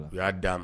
U y'a d'a m